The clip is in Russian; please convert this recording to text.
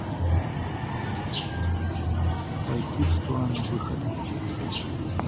пойти в сторону выхода